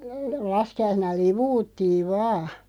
laskiaisena liu'uttiin vain